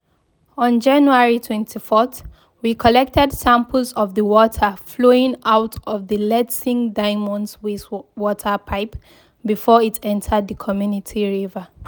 On January 24, we collected samples of the water flowing out of the Letšeng Diamonds wastewater pipe before it entered the community river.